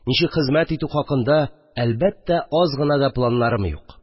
Ничек хезмәт итү хакында, әлбәттә, аз гына да планнарым юк